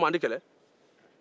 o tuma an tɛ kɛlɛ